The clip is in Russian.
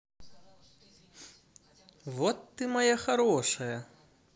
вот ты моя хорошая